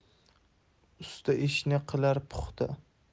usta ishni qilar puxta